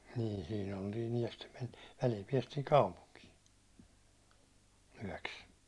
niin siinä oltiin yö ja sitten mentiin välillä päästiin kaupunkiin yöksi